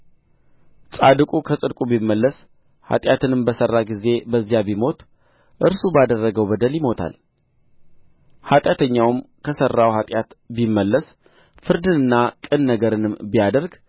ጻድቁ ከጽድቁ ቢመለስ ኃጢአትንም በሠራ ጊዜ በዚያም ቢሞት እርሱ ባደረገው በደል ይሞታል ኃጢአተኛውም ከሠራው ኃጢአት ቢመለስ ፍርድንና ቅን ነገርንም ቢያደርግ